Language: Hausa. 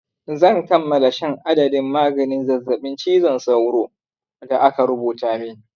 zan kammala shan adadin maganin zazzabin cizon sauro da aka rubuta min.